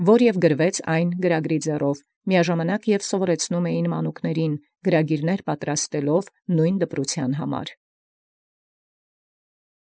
Որ և գրեցաւ ձեռամբն այնորիկ գրչի, հանդերձ ուսուցանելով զմանկունս գրիչս նմին դպրութեան։